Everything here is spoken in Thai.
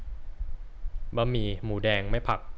บะหมี่หมูแดงไม่ผัก